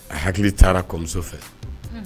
A hakili taara kɔmuso fɛ